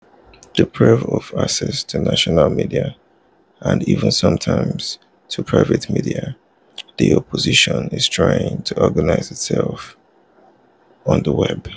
Deprived of access to national media, and even sometimes to private media, the opposition is trying to organize itself on the web.